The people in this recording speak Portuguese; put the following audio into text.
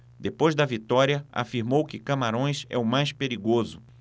depois da vitória afirmou que camarões é o mais perigoso